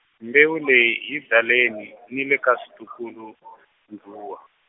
mbewu leyi yi byaleni ni le ka switukulu-ndzhuwa.